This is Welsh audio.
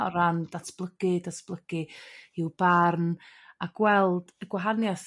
O ran datblygu datblygu i'w barn a gweld y gwahanieth